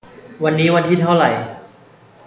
วันนี้วันที่เท่าไหร่